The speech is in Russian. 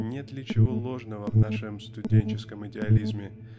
нет ли чего ложного в нашем студенческом идеализме